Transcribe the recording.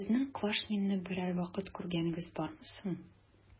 Сезнең Квашнинны берәр вакыт күргәнегез бармы соң?